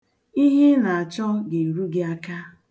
Ihe ị na-achọ ga-eru gị aka.